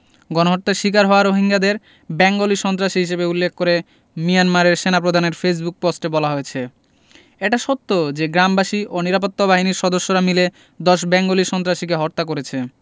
গণহত্যার শিকার হওয়া রোহিঙ্গাদের বেঙ্গলি সন্ত্রাসী হিসেবে উল্লেখ করে মিয়ানমারের সেনাপ্রধানের ফেসবুক পস্টে বলা হয়েছে এটা সত্য যে গ্রামবাসী ও নিরাপত্তা বাহিনীর সদস্যরা মিলে ১০ বেঙ্গলি সন্ত্রাসীকে হত্যা করেছে